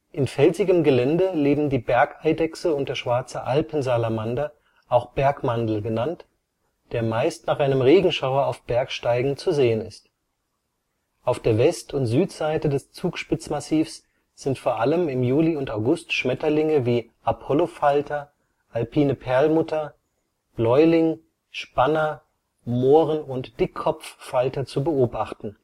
In felsigem Gelände leben die Bergeidechse und der schwarze Alpensalamander, auch „ Bergmandl “genannt, der meist nach einem Regenschauer auf Bergsteigen zu sehen ist. Auf der West - und Südseite des Zugspitzmassivs sind vor allem im Juli und August Schmetterlinge wie Apollofalter, alpine Perlmutter, Bläuling, Spanner, Mohren - und Dickkopffalter zu beobachten